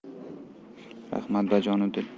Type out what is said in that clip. rahmat bajonu dil